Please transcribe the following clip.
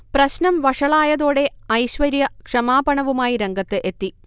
പ്രശ്നം വഷളായതോടെ ഐശ്വര്യ ക്ഷമാപണവുമായി രംഗത്ത് എത്തി